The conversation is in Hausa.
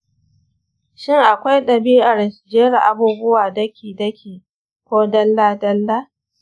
shin akwai ɗabi'ar jera abubuwa daki-daki ko dalla-dalla?